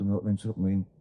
Dwi me'wl faint o mae'n